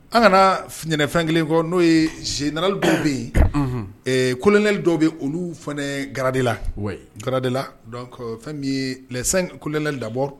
An kanafɛn kelen kɔ n'o ye z nali dɔw bɛ yen koɛli dɔw bɛ olu fana gadela ga dela la fɛn bɛ ye kolelɛli labɔ